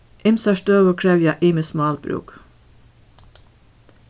ymsar støður krevja ymiskt málbrúk